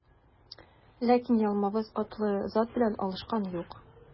Ләкин Ялмавыз атлы зат белән алышкан юк.